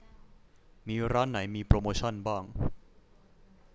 มีร้านไหนมีโปรโมชันบ้าง